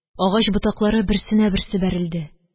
Агач ботаклары берсенә берсе бәрелде.